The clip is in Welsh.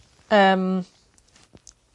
Yym.